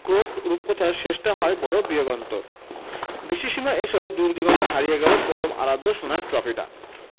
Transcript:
Croat রূপকথার শেষটা হয় বড় বিয়োগান্তক দৃষ্টিসীমায় এসেও দূরদিগন্তে হারিয়ে গেল পরম আরাধ্য সোনার ট্রফিটা